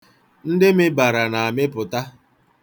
Ndị mịbara na-amịpụta.